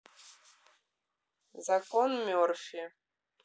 закон мерфи